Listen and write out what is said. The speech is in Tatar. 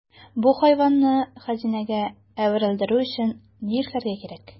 Бу хайванны хәзинәгә әверелдерү өчен ни эшләргә кирәк?